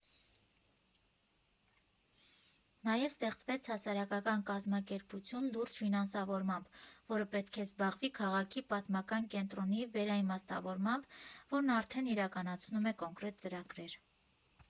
Նաև ստեղծվեց հասարակական կազմակերպություն լուրջ ֆինանսավորմամբ, որը պետք է զբաղվի քաղաքի պատմական կենտրոնի վերաիմաստավորմամբ, որն արդեն իրականացնում է կոնկրետ ծրագրեր։